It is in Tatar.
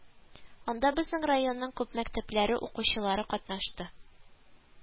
Анда безнең районның күп мәктәпләре укучылары катнашты